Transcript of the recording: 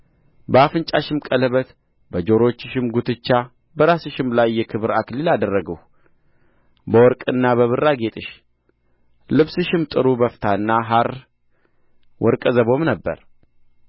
በአፍንጫሽም ቀለበት በጆሮሽም ጕትቻ በራስሽም ላይ የክብር አክሊል አደረግሁ በወርቅና በብር አጌጥሽ ልብስሽም ጥሩ በፍታና ሐር ወርቀ ዘቦም ነበረ